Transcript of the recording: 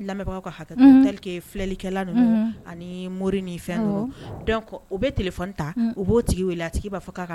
Lamɛnli ani mori ni fɛn u bɛ tile ta u b'o tigi b'a fɔ